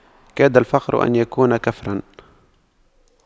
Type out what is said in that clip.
كاد الفقر أن يكون كفراً